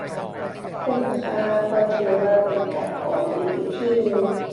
คุ้มค่าเพราะถือว่าเป็นการออมอีกวิธีหนึ่ง